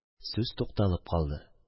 Сүз тукталып калды.